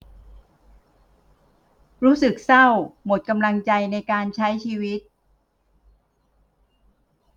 รู้สึกเศร้าหมดกำลังใจในการใช้ชีวิต